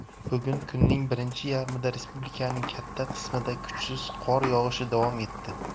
bugun kunning birinchi yarmida respublikaning katta qismida kuchsiz qor yog'ishi davom etdi